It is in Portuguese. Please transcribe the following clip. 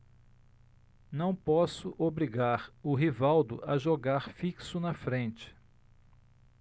não posso obrigar o rivaldo a jogar fixo na frente